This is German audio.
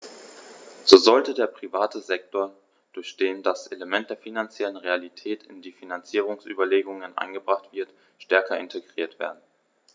So sollte der private Sektor, durch den das Element der finanziellen Realität in die Finanzierungsüberlegungen eingebracht wird, stärker integriert werden.